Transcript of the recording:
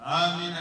Amiina